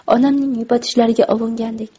onamning yupatishlariga ovungandek